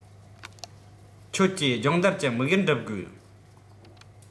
ཁྱོད ཀྱིས སྦྱོང བརྡར གྱི དམིགས ཡུལ འགྲུབ ཡོད